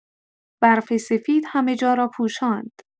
برف سفید همه جا را پوشاند.